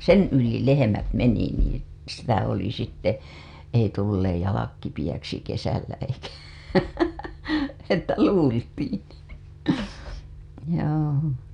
sen yli lehmät meni niin sitä oli sitten ei tulleet jalat kipeäksi kesällä eikä että luultiin joo